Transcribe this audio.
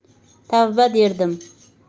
tavba derdim